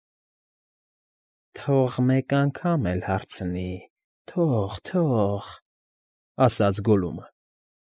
Թող մեկ անգամ էլ հարցնի,֊թող,֊թող,֊ ասաց Գոլլումը։